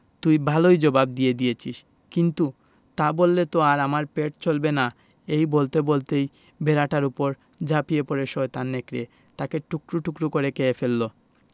তুই ভালই জবাব দিয়ে দিয়েছিস কিন্তু তা বললে তো আর আমার পেট চলবে না এই বলতে বলতেই ভেড়াটার উপর ঝাঁপিয়ে পড়ে শয়তান নেকড়ে তাকে টুকরো টুকরো করে খেয়ে ফেলল